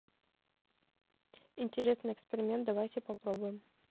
интересный эксперимент давайте попробуем